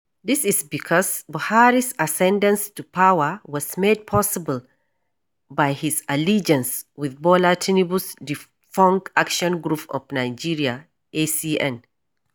This is because Buhari’s ascendance to power was made possible by his allegiance with Bola Tinubu’s defunct Action Congress of Nigeria (ACN).